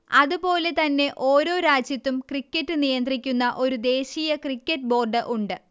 അതുപോലെതന്നെ ഓരോ രാജ്യത്തും ക്രിക്കറ്റ് നിയന്ത്രിക്കുന്ന ഒരു ദേശീയ ക്രിക്കറ്റ് ബോർഡ് ഉണ്ട്